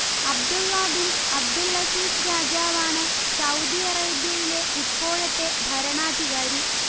Abdulla bin Abdul Aziz രാജാവാണ് Saudi അറേബ്യയിലെ ഇപ്പോഴത്തെ ഭരണാധികാരി